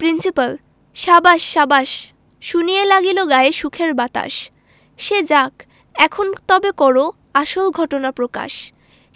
principal সাবাস সাবাস শুনিয়া লাগিল গায়ে সুখের বাতাস সে যাক এখন তবে করো আসল ঘটনা প্রকাশ